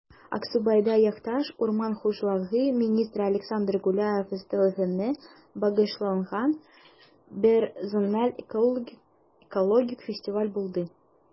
Аксубайда якташ, урман хуҗалыгы министры Александр Гуляев истәлегенә багышланган I зональ экологик фестиваль булды